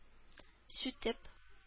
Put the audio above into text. Сүтеп